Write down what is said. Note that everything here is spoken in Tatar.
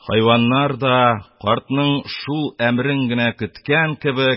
Хайваннар да, картның шул әмерен генә көткән кебек,